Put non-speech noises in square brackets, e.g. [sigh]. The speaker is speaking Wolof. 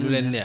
[hesitation] [hesitation]